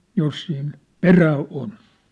jos siinä perää on